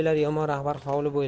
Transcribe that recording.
yomon rahbar hovli bo'ylar